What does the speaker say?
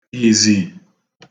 ìzì